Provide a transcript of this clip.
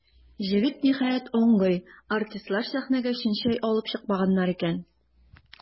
Җегет, ниһаять, аңлый: артистлар сәхнәгә чын чәй алып чыкмаганнар икән.